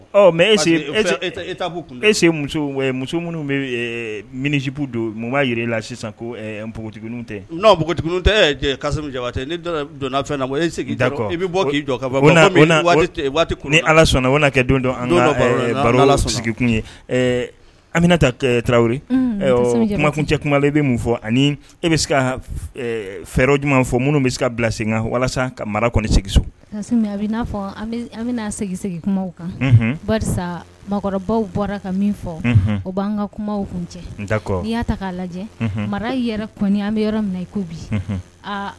Mɛ ese ese muso minnu bɛ minijip don mun b'a jira la sisan ko npogotigiw tɛ n npogotigiw ja ne donna fɛn e i bɛ bɔ k'i jɔ waati ni ala sɔnna kɛ don sigikun ye an bɛna ta taraweleri kumakun cɛ kuma i bɛ min fɔ ani e bɛ se ka fɛɛrɛji fɔ minnu bɛ se ka bila sen walasa ka mara kɔni sigi na fɔ an bɛna segin sigi kan mɔgɔkɔrɔbabaw bɔra ka min fɔ o b'an ka kuma kun cɛ lajɛ mara an bɛ yɔrɔ i ko bi